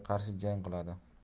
qarshi jang qiladi